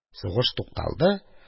Сугыш туктатылды.